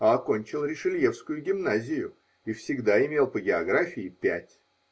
А окончил Ришельевскую гимназию и всегда имел по географии пять.